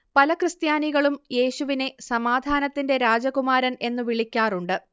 പല ക്രിസ്ത്യാനികളും യേശുവിനെ സമാധാനത്തിന്റെ രാജകുമാരൻ എന്നു വിളിക്കാറുണ്ട്